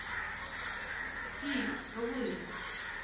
фильм рвы